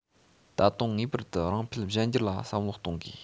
ད དུང ངེས པར དུ རང འཕེལ གཞན འགྱུར ལ བསམ བློ གཏོང དགོས